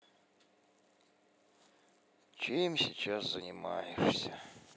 чем сейчас занимаешься